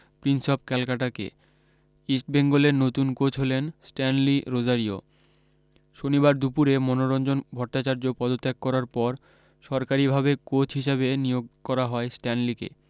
Prince of Calcutta কে ইস্টবেঙ্গলের নতুন কোচ হলেন স্ট্যানলি রোজারিও শনিবার দুপুরে মনোরঞ্জন ভট্টাচার্য পদত্যাগ করার পর সরকারিভাবে কোচ হিসাবে নিয়োগ করা হয় স্ট্যানলিকে